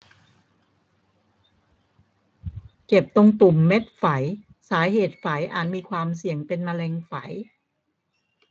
เจ็บตรงตุ่มเม็ดไฝสาเหตุไฝอาจมีความเสี่ยงเป็นมะเร็งไฝ